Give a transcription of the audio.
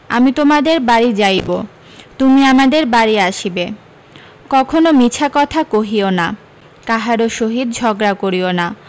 আমি তোমাদের বাড়ী যাইব তুমি আমাদের বাড়ী আসিবে কখনো মিছা কথা কহিও না কাহারও সহিত ঝগড়া করিও না